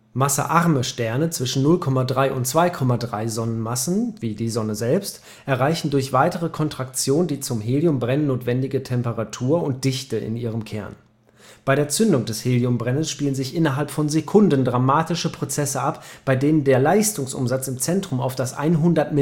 Massearme Sterne zwischen 0,3 und 2,3 Sonnenmassen wie die Sonne selbst erreichen durch weitere Kontraktion die zum Heliumbrennen notwendige Temperatur und Dichte in ihrem Kern. Bei der Zündung des Heliumbrennens spielen sich innerhalb von Sekunden dramatische Prozesse ab, bei denen der Leistungsumsatz im Zentrum auf das 100-Milliardenfache